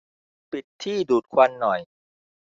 ปิดที่ดูดควันหน่อย